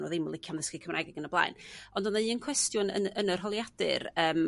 n'w ddim yn licio am ddysgu Cymraeg ag yn y blaen. Ond o'na un cwestiwn yn yr holiadur yym